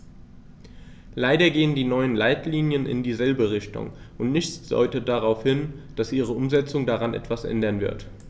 Leider gehen die neuen Leitlinien in dieselbe Richtung, und nichts deutet darauf hin, dass ihre Umsetzung daran etwas ändern wird.